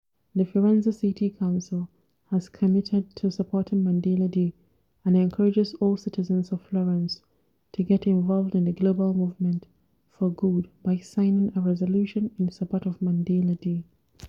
The Firenze City Council has committed to supporting Mandela Day and encourages all citizens of Florence to get involved in the global movement for good by signing a resolution in support of Mandela Day.